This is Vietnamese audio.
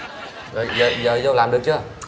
rồi giờ giờ vô làm được chưa